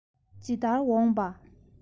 ཇི ལྟར འོངས པ